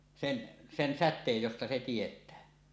sen sen säteen josta se tietää